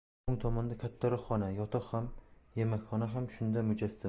o'ng tomonda kattaroq xona yotoq ham yemakxona ham shunda mujassam